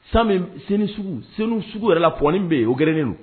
San min, Senu sugu, Senu sugu yɛrɛ la pɔnni min bɛ yen o gerenen don.